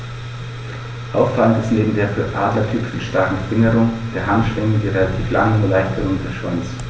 Auffallend ist neben der für Adler typischen starken Fingerung der Handschwingen der relativ lange, nur leicht gerundete Schwanz.